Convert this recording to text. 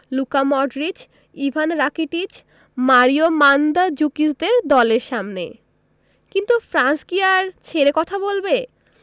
Luka Modric Ivan Rakitic Mario মান্দজুকিচদের দলের সামনে কিন্তু ফ্রান্স কি আর ছেড়ে কথা বলবে